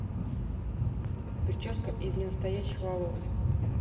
прически из ненастоящих волос